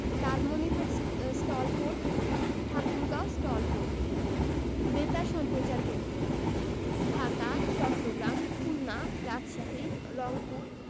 লালমনিরহাট স্টল পোর্ট ঠাকুরগাঁও স্টল পোর্ট বেতার সম্প্রচার কেন্দ্রঃ ঢাকা চট্টগ্রাম খুলনা রাজশাহী রংপুর